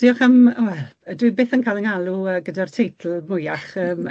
Diolch am wel yy dwi byth yn ca'l 'yng ngalw yy gyda'r teitl fwyach yym....